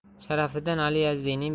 sharafid din ali yazdiyning